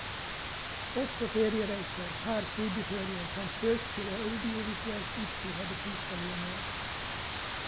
Også feriereiser, her storbyferier, samt bøker og audiovisuelt utstyr hadde prisfall i januar.